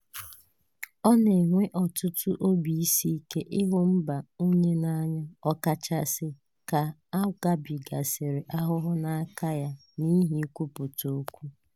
Ọ na-ewe ọtụtụ obi isiike ịhụ mba onye n'anya ọkachasị ka a gabigasịrị ahụhụ n'aka ya n'ihi ikwupụta okwu.